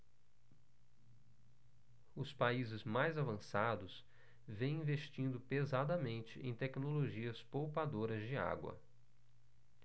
os países mais avançados vêm investindo pesadamente em tecnologias poupadoras de água